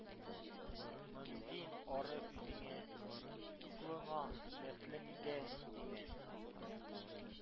Мондин ары үзеңә, угълыңа, нәслеңгә тимәм.